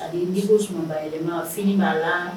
A n suba yɛlɛma finiinin b'a la